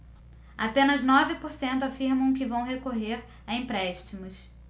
apenas nove por cento afirmam que vão recorrer a empréstimos